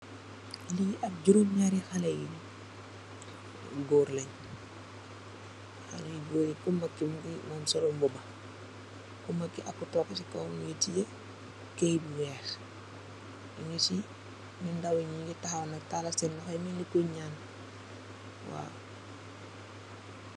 Lii ahbb juromi njarri haleh yii gorre len, haleh yu gorre ku mak kii mungy am solut mbuba, ku mak kii ak ku topah cii kawam mungy tiyeh keit bu wekh, njungy cii nju ndaw njee njungy takhaw nak tarlal sen lokhor yii melni kui njan waw.